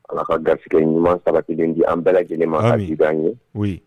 Ala ka garisɛgɛ in ɲuman saba kelen di an bɛɛ lajɛlen ma hali an ye